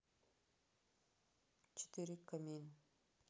четыре к камин